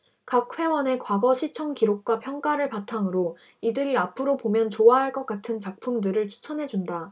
각 회원의 과거 시청 기록과 평가를 바탕으로 이들이 앞으로 보면 좋아할 것 같은 작품들을 추천해 준다